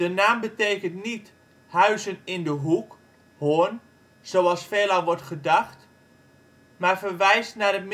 naam betekent niet: huizen in de hoek (horn), zoals veelal wordt gedacht, maar verwijst naar